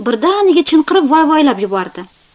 birdaniga chinqirib voy voylab yubordi